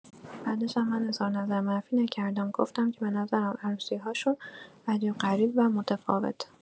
بعدشم من اظهار نظر منفی نکردم گفتم که به نظرم عروسی‌هاشون عجیب غریب و متفاوته!